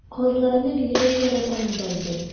Казларны бигрәк ярата инде Айгөл.